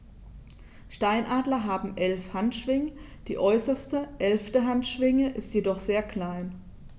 Steinadler haben 11 Handschwingen, die äußerste (11.) Handschwinge ist jedoch sehr klein.